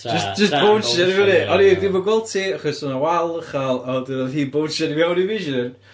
Jys-jyst bownsio i fyny. O'n i'm yn ei ddim yn ei gweld hi achos oedd 'na wal uchal a wedyn oedd hi'n bownsian i fewn i vision